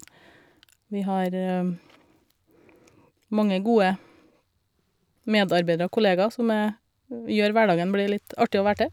Vi har mange gode medarbeidere, kollegaer, som er gjør hverdagen blir litt artig å være til.